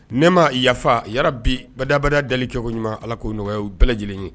Ne ma yafa yarabi badabada dali kɛkoɲuman Ala k'o nɔgɔya u bɛɛ lajɛlen ye